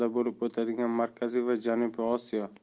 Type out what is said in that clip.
bo'lib o'tadigan markaziy va janubiy osiyo